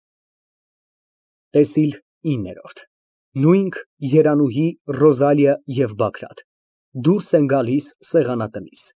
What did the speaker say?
ՏԵՍԻԼ ԻՆՆԵՐՈՐԴ ՆՈՒՅՆՔ, ԵՐԱՆՈՒՀԻ, ՌՈԶԱԼԻԱ ԵՎ ԲԱԳՐԱՏ Դուրս են գալիս սեղանատնից։